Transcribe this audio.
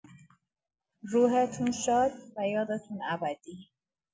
روحتون شاد و یادتون ابدی